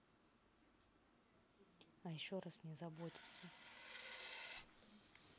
а еще раз не заботиться